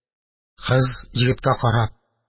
Кыз, егеткә карап: